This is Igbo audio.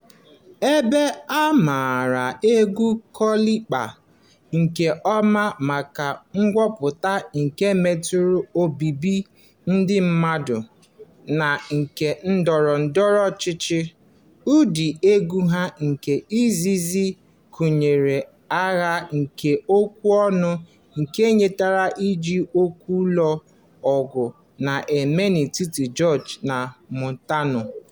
Ebe a maara egwu kalịpso nke ọma maka nkwupụta nke metụrụ obibi ndị mmadụ na nke ndọrọ ndọrọ ọchịchị, ụdị egwu ahụ nke izizi gụnyere agha nke okwu ọnụ nke yitere iji okwu lụọ ọgụ na-eme n'etiti George na Montano.